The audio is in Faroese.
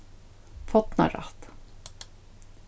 fornarætt